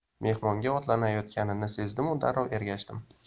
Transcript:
mehmonga otlanayotganini sezdimu darrov ergashdim